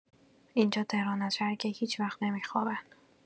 اینجا تهران است، شهری که هیچ‌وقت نمی‌خوابد.